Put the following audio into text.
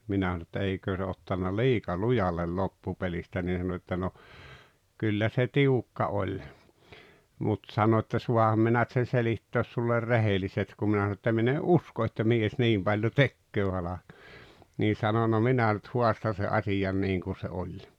minä sanoin että eikö se ottanut liika lujalle loppupelistä niin sanoi että no kyllä se tiukka oli mutta sanoi että saanhan minä nyt sen selittää sinulle rehellisesti kun minä sanoin että minä en usko että mies niin paljon tekee halkoja niin sanoi no minä nyt haastan sen asian niin kuin se oli